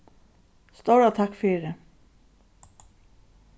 stóra takk fyri